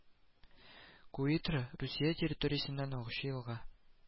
Куитра Русия территориясеннән агучы елга